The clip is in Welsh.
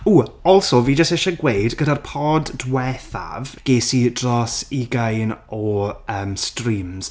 Ww also fi jyst eisiau gweud. Gyda'r pod diwethaf, ges i dros 20 o yym streams.